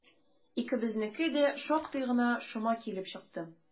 Икебезнеке дә шактый гына шома килеп чыкты.